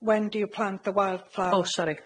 When do you plant the wild flower?... Oh sorry.